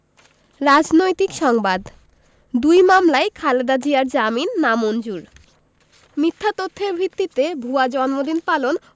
রাজনৈতিক সংবাদ দুই মামলায় খালেদা জিয়ার জামিন নামঞ্জুর মিথ্যা তথ্যের ভিত্তিতে ভুয়া জন্মদিন পালন